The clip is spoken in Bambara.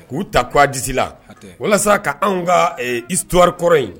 K'u ta' disi la walasa ka anw kaistoɔriri kɔrɔ yen